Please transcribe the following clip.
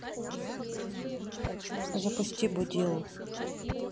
запусти будилу